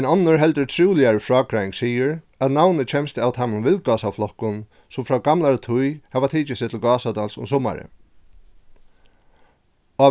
ein onnur heldur trúligari frágreiðing sigur at navnið kemst av teimum villgásaflokkum sum frá gamlari tíð hava tikið seg til gásadals um summarið